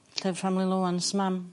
llyfr family lowance mam.